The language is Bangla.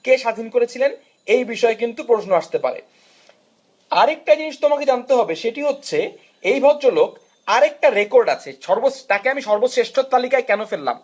কে স্বাধীন করেছিলেন এই বিষয়ে কিন্তু প্রশ্ন আসতে পারে আরেকটা জিনিস তোমাকে জানতে হবে সেটি হচ্ছে এই ভদ্রলোক আরেকটা রেকর্ড আছে তাকে আমি সর্বশ্রেষ্ঠ তালিকায় কেন ফেললাম